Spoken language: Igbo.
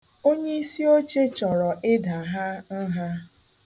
Onyeisioche chọrọ ịda ha nha.